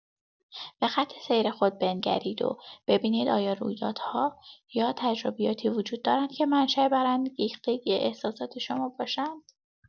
به‌خط سیر خود بنگرید و ببینید آیا رویدادها یا تجربیاتی وجود دارند که منشا برانگیختگی احساسات شما باشند.